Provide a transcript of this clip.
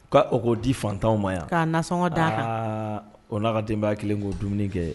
Ka o k'o di fantanw ma yan k'a nasɔngɔ da aa o n ka denbaya kelen k'o dumuni kɛ